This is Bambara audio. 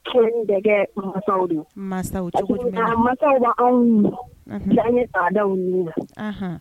mansaw cogo jumɛn